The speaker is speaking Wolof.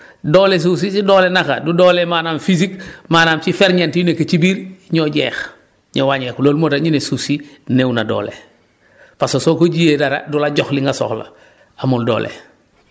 doole suuf si si doole nax a du doole maanaam physique maanaam ci ferñeent yi nekk ci biir énoo jeex énoo wàññeeku loolu moo tax ñu ne suuf si néew na doole parce que soo ko jiyee dara du la jox li nga soxla amul doole